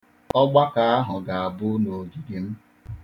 Ọgbakọ ahụ ga-abụ n'ogige m.